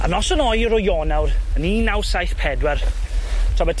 Ar noson oer o Ionawr, yn un naw saith pedwar, tra bod